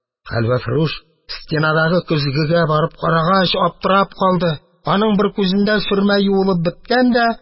Хәлвәфрүш стенадагы көзгегә барып карагач аптырап калды: аның бер күзендәге сөрмә юылып беткән дә,